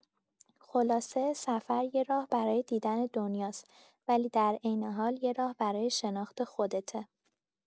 خلاصه، سفر یه راه برای دیدن دنیاست، ولی در عین حال یه راه برای شناخت خودته.